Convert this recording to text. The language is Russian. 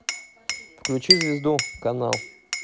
включи звезду канал